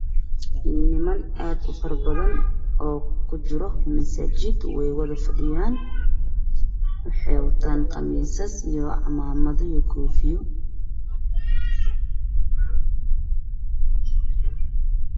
Waa niman aad u faro badan oo kujiro masaajid way wada fadhiyaan waxay waxtaan qamiisyo, cimaamado, koofiyo.